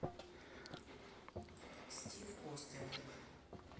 стив остин